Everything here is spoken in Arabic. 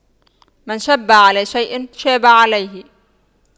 من شَبَّ على شيء شاب عليه